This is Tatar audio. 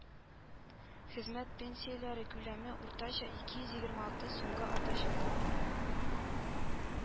Хезмәт пенсияләре күләме уртача ике йөз егерме алты сумга артачак